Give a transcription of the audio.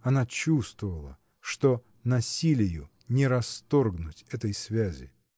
она чувствовала, что насилию не расторгнуть этой связи.